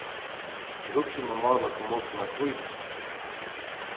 eg hugsi um at mála kommoduna hvíta